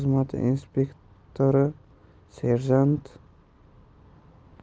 xizmati inspektori serjant